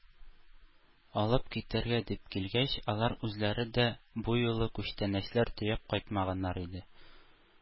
Алып китәргә дип килгәч, алар үзләре дә бу юлы күчтәнәчләр төяп кайтмаганнар иде.